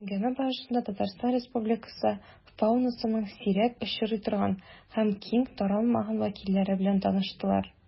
Әңгәмә барышында Татарстан Республикасы фаунасының сирәк очрый торган һәм киң таралмаган вәкилләре белән таныштылар.